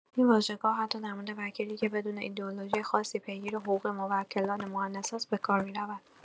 این واژه گاه حتی در مورد وکیلی که بدون ایدئولوژی خاصی پیگیر حقوق موکلان مونث است، به کار می‌رود.